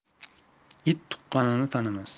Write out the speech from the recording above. it tuqqanini tanimas